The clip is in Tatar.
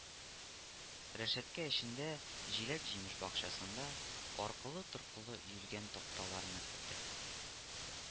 Рәшәткә эчендә – җиләк-җимеш бакчасында – аркылы-торкылы өелгән такталарны күрде